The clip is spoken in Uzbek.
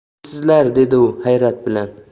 kimsizlar dedi u hayrat bilan